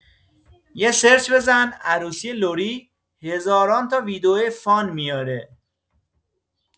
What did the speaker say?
یه سرچ بزن عروسی لری هزاران تا ویدئو فان میاره.